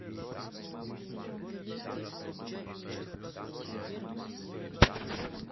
великий из бродячих псов первая серия